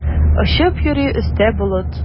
Очып йөри өстә болыт.